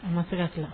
U ma sira filɛ